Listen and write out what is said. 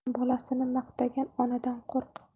bolasini maqtagan onadan qo'rq